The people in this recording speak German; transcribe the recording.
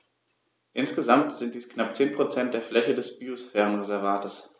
Insgesamt sind dies knapp 10 % der Fläche des Biosphärenreservates.